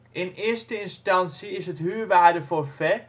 In eerste instantie is het ' huurwaardeforfait